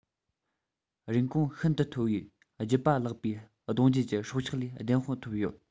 རིན གོང ཤིན ཏུ མཐོ བའི རྒྱུད པ ལེགས པའི གདུང རྒྱུད ཀྱི སྲོག ཆགས ལས བདེན དཔང ཐོབ ཡོད